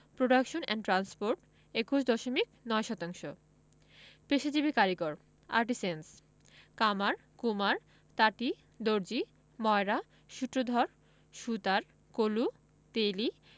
production and transport ২১ দশমিক ৯ শতাংশ পেশাজীবী কারিগরঃ আর্টিসেন্স কামার কুমার তাঁতি দর্জি ময়রা সূত্রধর সুতার কলু তেলী